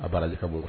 A baara ka bɔ